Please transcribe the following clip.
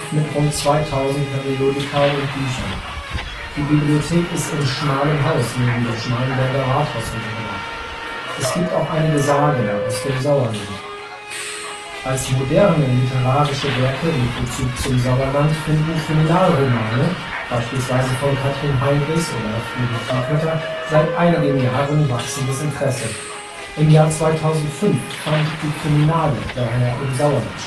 mit rund 2000 Periodika und Büchern. Die Bibliothek ist im „ Schmalen Haus “neben dem Schmallenberger Rathaus untergebracht. Es gibt auch einige Sagen aus dem Sauerland. Als moderne literarische Werke mit Bezug zum Sauerland finden Kriminalromane (beispielsweise von Kathrin Heinrichs, Friedel Thiekötter) seit einigen Jahren wachsendes Interesse. Im Jahr 2005 fand die Criminale daher im Sauerland